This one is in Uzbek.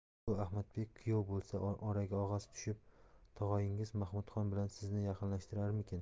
endi bu ahmadbek kuyov bo'lsa oraga og'asi tushib tog'oyingiz mahmudxon bilan sizni yaqinlashtirarmikin